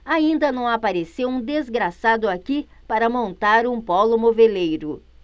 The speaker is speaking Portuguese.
ainda não apareceu um desgraçado aqui para montar um pólo moveleiro